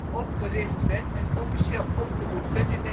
opgericht werd en officieel opgedoekt werd in